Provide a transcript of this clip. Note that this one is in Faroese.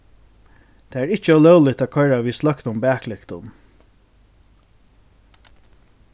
tað er ikki ólógligt at koyra við sløktum baklyktum